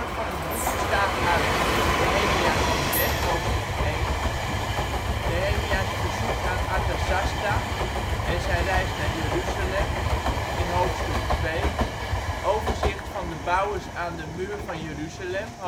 van het boek bestaat uit: Nehemia 's gebed (hoofdstuk 1) Nehemia 's verzoek aan Arthasasta (Artaxerxes I), en zijn reis naar Jeruzalem (hoofdstuk 2) Overzicht van de bouwers aan de muur van Jeruzalem